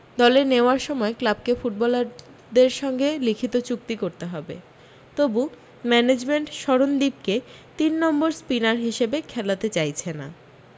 দলে নেওয়ার সময় ক্লাবকে ফুটবলারদের সঙ্গে লিখিত চুক্তি করতে হবে তবু ম্যানেজমেন্ট শরণদীপকে তিন নম্বর স্পিনার হিসাবে খেলাতে চাইছে না